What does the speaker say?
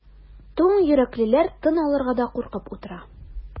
Туң йөрәклеләр тын алырга да куркып утыра.